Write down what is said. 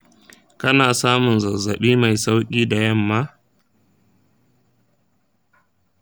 kana samun zazzabi mai sauƙi da yamma?